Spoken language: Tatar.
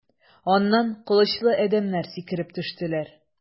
Аннан кылычлы адәмнәр сикереп төштеләр.